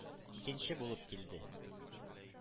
Икенче булып килде.